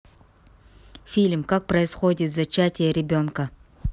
фильм как происходит зачатие ребенка